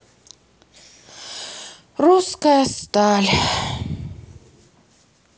русская сталь